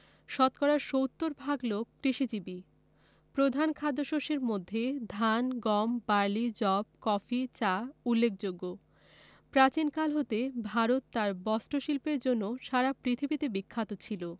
শতকরা ৭০ ভাগ লোক কৃষিজীবী প্রধান খাদ্যশস্যের মধ্যে ধান গম বার্লি যব কফি চা উল্লেখযোগ্য প্রাচীনকাল হতে ভারত তার বস্ত্রশিল্পের জন্য সারা পৃথিবীতে বিখ্যাত ছিল